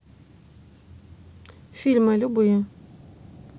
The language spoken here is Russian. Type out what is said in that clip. фильмы любые